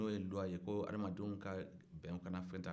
n'o ye luwa ye ko adamadenw ka bɛn k'u kana fɛn ta